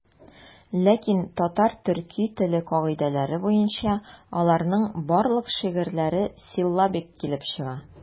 Ләкин татар-төрки теле кагыйдәләре буенча аларның барлык шигырьләре силлабик килеп чыга.